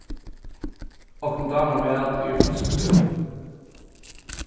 okkum dámar mat ið er føðslugóður